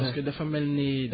parce que dafa mel ni